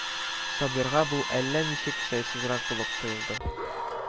Сабирга бу әллә ничек җайсызрак булып тоелды